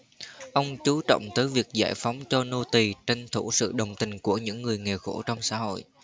ông chú trọng tới việc giải phóng cho nô tỳ tranh thủ sự đồng tình của những người nghèo khổ trong xã hội